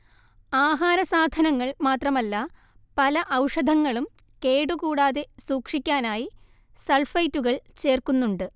ആഹാരസാധനങ്ങൾ മാത്രമല്ല പല ഔഷധങ്ങളും കേടുകൂടാതെ സൂക്ഷിക്കാനായി സൾഫൈറ്റുകൾ ചേർക്കുന്നുണ്ട്